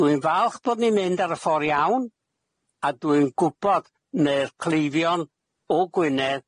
Dwi'n falch bod ni'n mynd ar y ffor' iawn a dwi'n gwbod na'r cleifion o Gwynedd,